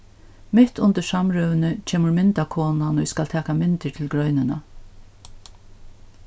mitt undir samrøðuni kemur myndakonan ið skal taka myndir til greinina